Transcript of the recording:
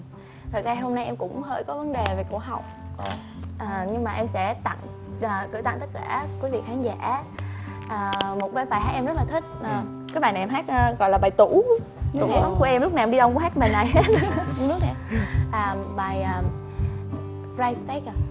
thực ra hôm nay em cũng hơi có vấn đề về cổ họng nhưng mà em sẽ tặng gửi tặng tất cả quý vị khán giả một cái bài hát em rất là thích cái bài này em hát gọi là bài tủ của em lúc nào em đi đâu cũng hát cái bài này à bài sờ rai tếch ạ